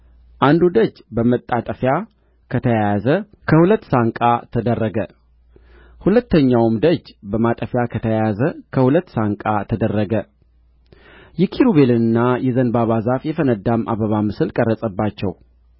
አንዱ ደጅ በማጠፊያ ከተያያዘ ከሁለት ሳንቃ ተደረገ ሁለተኛውም ደጅ በማጠፊያ ከተያያዘ ከሁለት ሳንቃ ተደረገ የኪሩቤልንና የዘንባባ ዛፍ የፈነዳም አበባ ምስል ቀረጸባቸው